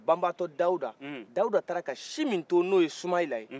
banbatɔ dawuda dawuda taara ka si min to n'o ye sumahila ye